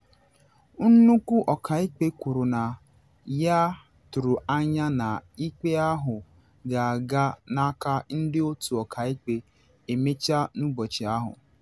Nnukwu ọkaikpe kwuru na ya tụrụ anya na ikpe ahụ ga-aga n’aka ndị otu ọkaikpe emechaa n’ụbọchị ahụ.